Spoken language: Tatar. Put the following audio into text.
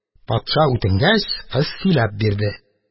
Патша үтенгәч, кыз сөйләп бирде: